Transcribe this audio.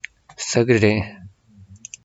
ཟ ཀི རེད